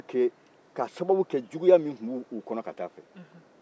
tɛlima kee k'a sababu kɛ juguya min tun bɛ u kɔnɔ ka ta'a fɛ